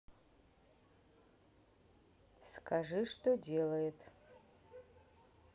скажи что делает